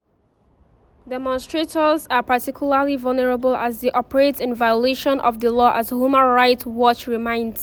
Demonstrators are particularly vulnerable as they operate in violation of the law, as Human Rights Watch reminds: